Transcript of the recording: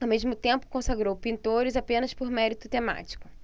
ao mesmo tempo consagrou pintores apenas por mérito temático